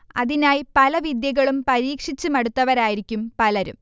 അതിനായി പല വിദ്യകളും പരീക്ഷിച്ച് മടുത്തവരായിരിക്കും പലരും